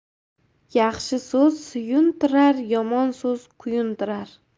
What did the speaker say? yaxshi so'z suyuntirar yomon so'z kuyuntirar